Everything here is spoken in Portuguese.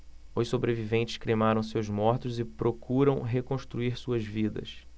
os sobreviventes cremaram seus mortos e procuram reconstruir suas vidas